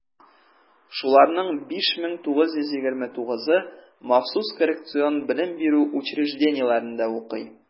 Шуларның 5929-ы махсус коррекцион белем бирү учреждениеләрендә укый.